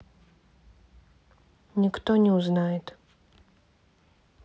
никто не узнает